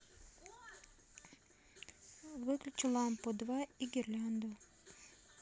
выключи лампу два и гирлянду